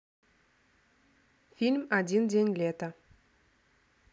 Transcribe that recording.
фильм один день лета